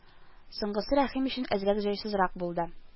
Соңгысы Рәхим өчен әзрәк җайсызрак булды